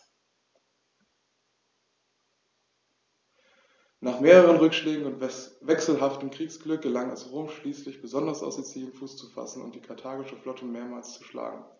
Nach mehreren Rückschlägen und wechselhaftem Kriegsglück gelang es Rom schließlich, besonders auf Sizilien Fuß zu fassen und die karthagische Flotte mehrmals zu schlagen.